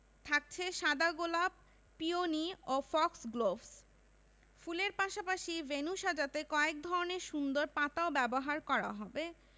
থাকছে সাদা গোলাপ পিওনি ও ফক্সগ্লোভস ফুলের পাশাপাশি ভেন্যু সাজাতে কয়েক ধরনের সুন্দর পাতাও ব্যবহার করা হবে